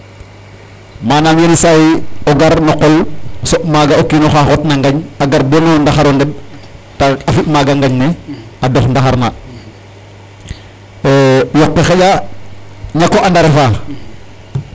Manaam yenisay o gar no qol soɓ maaga o kiin oxa xotna ngeñ a gar bo no ndaxar o ndeɓ ta fi' maaga ngañ ne a dox ndaxar na e% yoq ke xaƴa ñak o and a refaa.